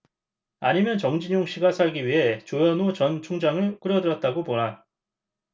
아니면 정진용씨가 살기 위해 조현오 전 청장을 끌여들였다고 보나